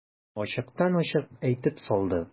Ачыктан-ачык әйтеп салды.